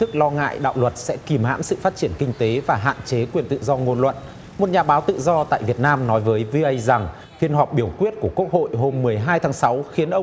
thức lo ngại đạo luật sẽ kìm hãm sự phát triển kinh tế và hạn chế quyền tự do ngôn luận một nhà báo tự do tại việt nam nói với vi ây rằng phiên họp biểu quyết của quốc hội hôm mười hai tháng sáu khiến ông